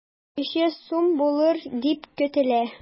500 сум булыр дип көтелә.